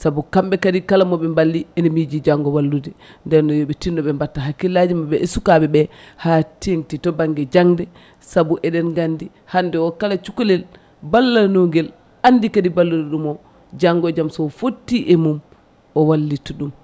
saabu kamɓe kadi kala moɓe mballi ene miji janggo wallude nden noon yooɓe tinno ɓe batta hakkillaji mabɓe e sukaɓe ɓe ha tengti to banggue jangde saabu eɗen gandi hande o kala cukalel balla noguel andi kadi mballuɗo ɗum o janggo e jaam so fotti e mum o wallittu ɗum